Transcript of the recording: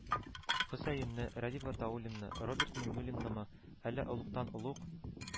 Хөсәенне, Рәдиф Гатауллинны, Роберт Миңнуллиннымы, әллә олугтан-олуг